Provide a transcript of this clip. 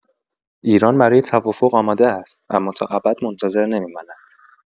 ایران برای توافق آماده است، اما تا ابد منتظر نمی‌ماند.